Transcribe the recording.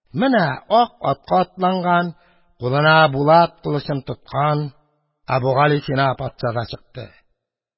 Менә ак атка атланган, кулына булат кылычын тоткан Әбүгалисина патша да чыкты.